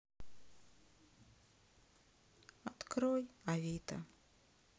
открой авито